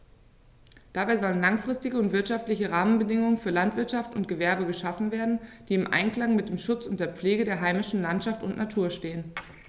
Dabei sollen langfristige und wirtschaftliche Rahmenbedingungen für Landwirtschaft und Gewerbe geschaffen werden, die im Einklang mit dem Schutz und der Pflege der heimischen Landschaft und Natur stehen.